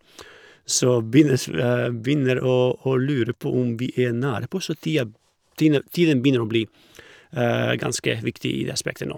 Så begynnesl begynner å å lure på om vi er nære på så tida tina tiden begynner å bli ganske viktig i det aspektet nå.